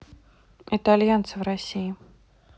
итальянцы в россии